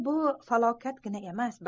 bu falokatgina emas